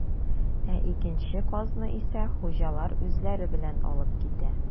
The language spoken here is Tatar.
Ә икенче казны исә хуҗалар үзләре белән алып китә.